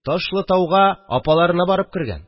Ташлытауга апаларына барып кергән